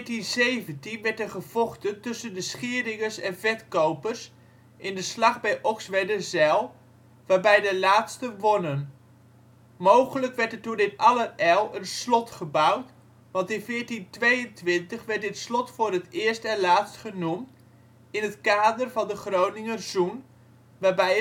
In 1417 werd er gevochten tussen de Schieringers en Vetkopers in de Slag bij Oxwerderzijl, waarbij de laatsten wonnen. Mogelijk werd er toen in allerijl een ' slot ' gebouwd, want in 1422 werd dit slot voor het eerst en laatst genoemd in het kader van de Groninger Zoen, waarbij